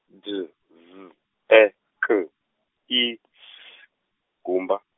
D Z E K, I S, gumba.